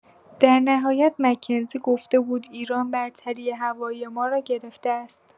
در نهایت مکنزی گفته بود ایران برتری هوایی ما را گرفته است.